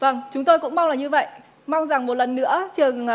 vâng chúng tôi cũng mong là như vậy mong rằng một lần nữa trường